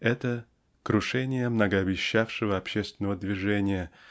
Это -- крушение многообещавшего общественного движения